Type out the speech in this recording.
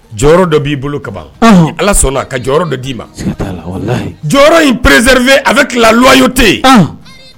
Jɔyɔrɔ dɔ b'i bolo kaban ala sɔnna ka jɔyɔrɔ dɔ d'i ma jɔyɔrɔ pererezerie a bɛ kilalɔy tɛ yen